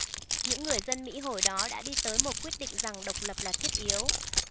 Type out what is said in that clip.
những người dân mỹ hồi đó đã đi tới một quyết định rằng độc lập là thiết yếu